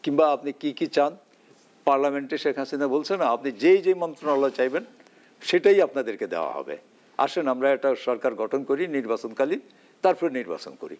কিংবা আপনি কি কি চান পার্লামেন্টে শেখ হাসিনা বলছেন না আপনি যে যে মন্ত্রণালয় চাইবেন সেটাই আপনাদের কে দেয়া হবে আসেন আমরা একটা সরকার গঠন করি নির্বাচনকালীন তারপর নির্বাচন করি